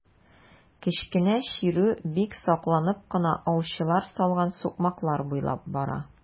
Кечкенә чирү бик сакланып кына аучылар салган сукмаклар буйлап бара.